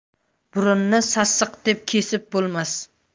burunni sassiq deb kesib bo'lmas